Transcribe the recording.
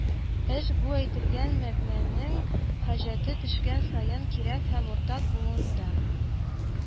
Эш бу әйтелгән мәгънәнең хаҗәте төшкән саен кирәк һәм уртак булуында